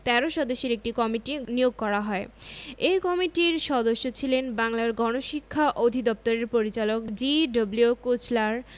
১৩ সদস্যের একটি কমিটি নিয়োগ করা হয় এ কমিটির সদস্য ছিলেন বাংলার গণশিক্ষা অধিদপ্তরের পরিচালক জি.ডব্লিউ কুচলার